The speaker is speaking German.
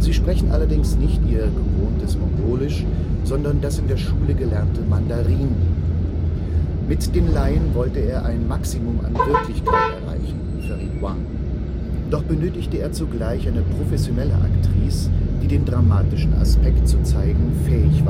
sprechen allerdings nicht ihr gewohntes Mongolisch, sondern das in der Schule gelehrte Mandarin. Mit den Laien wolle er ein Maximum an Wirklichkeit erreichen, verriet Wang, doch benötige er zugleich eine professionelle Aktrice, die den dramatischen Aspekt zu zeigen fähig